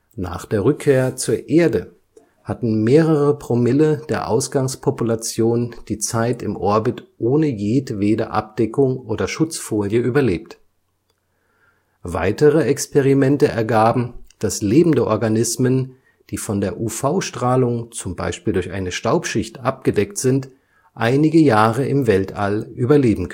Nach der Rückkehr zur Erde hatten mehrere Promille der Ausgangspopulation die Zeit im Orbit ohne jedwede Abdeckung oder Schutzfolie überlebt. Weitere Experimente ergaben, dass lebende Organismen, die von der UV-Strahlung zum Beispiel durch eine Staubschicht abgedeckt sind, einige Jahre im Weltall überleben